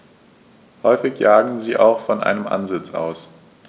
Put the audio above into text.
Häufig jagen sie auch von einem Ansitz aus.